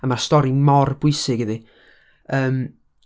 A ma'r stori mor bwysig iddi. Yym.